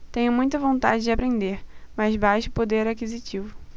tenho muita vontade de aprender mas baixo poder aquisitivo